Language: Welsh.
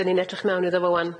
Dyn ni'n edrych mewn iddo fo ŵan.